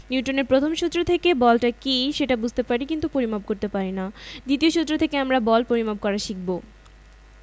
নিউটনের প্রথম সূত্র থেকে বলটা কী সেটা বুঝতে পারি কিন্তু পরিমাপ করতে পারি না দ্বিতীয় সূত্র থেকে আমরা বল পরিমাপ করা শিখব